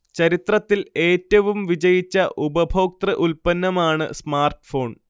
ചരിത്രത്തിൽ ഏറ്റവും വിജയിച്ച ഉപഭോക്തൃ ഉൽപന്നമാണ് സ്മാർട്ഫോൺ